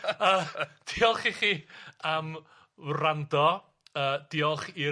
A diolch i chi am wrando, yy diolch i...